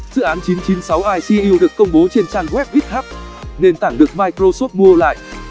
dự án icu được công bố trên trang web github nền tảng được microsoft mua lại